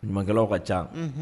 Numukɛkɛlaw ka ca